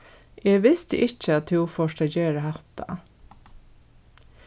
eg visti ikki at tú fórt at gera hatta